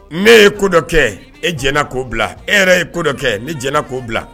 Ne ye ko dɔkɛ e jɛnna ko bila e yɛrɛ ye ko dɔ kɛ ne jɛnnɛ ko bila.